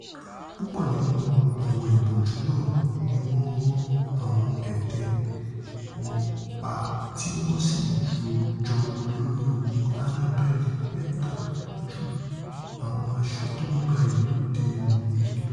Púpọ̀ nínú àwọn ìbòjú náà niwọ́n rán àwọn ètè wọn pa ti wọ́n sì jọ Olóri-ogun Hannibal Lecter ju àwọn asọ tó ńgbayì lóde ìwòyí lọ.